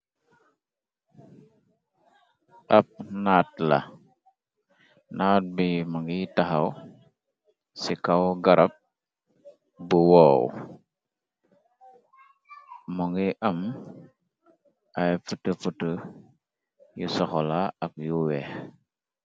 Ap naat la naat bi mu ngiy taxaw ci kaw garap bu woow, mu ngiy am ay futu futu yu soxola ak yu weex.